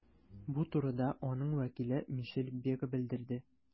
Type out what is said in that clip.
Бу турыда аның вәкиле Мишель Бега белдерде.